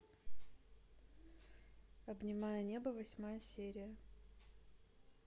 обнимая небо восьмая серия